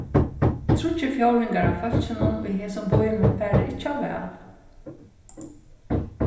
tríggir fjórðingar av fólkinum í hesum býnum fara ikki á val